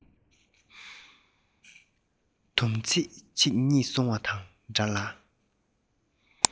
སྡོམ ཚིག ཅིག རྙེད སོང བ དང འདྲ བ